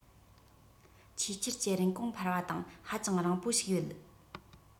ཆེས ཆེར ཀྱི རིན གོང འཕར བ དང ཧ ཅང རིང པོ ཞིག ཡོད